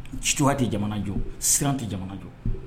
Citu tɛ jamana jɔ siran tɛ jamana jɔ